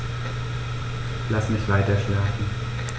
Lass mich weiterschlafen.